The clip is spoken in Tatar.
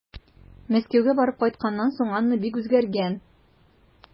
Мәскәүгә барып кайтканнан соң Анна бик үзгәргән.